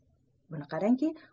buni qarangki